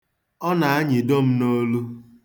Ọ na-anyịdo m n'olu.